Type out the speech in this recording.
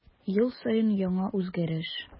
Ел саен яңа үзгәреш.